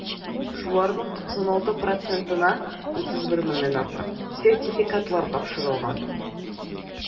Шуларның 96 процентына (31 меңнән артык) сертификатлар тапшырылган.